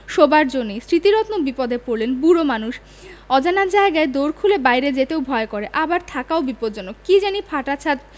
শোবার জো নেই স্মৃতিরত্ন বিপদে পড়লেন বুড়ো মানুষ অজানা জায়গায় দোর খুলে বাইরে যেতেও ভয় করে আবার থাকাও বিপজ্জনক কি জানি ফাটা ছাত